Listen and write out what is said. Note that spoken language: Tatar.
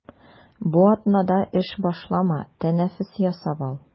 Бу атнада эш башлама, тәнәфес ясап ал.